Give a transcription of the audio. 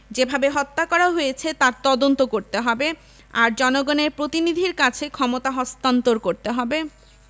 যেভাবে হত্যা করা হয়েছে তার তদন্ত করতে হবে আর জনগণের প্রতিনিধির কাছে ক্ষমতা হস্তান্তর করতে হবে